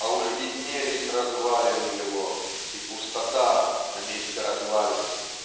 а уж виднелись развалины его и пустота на месте развалин"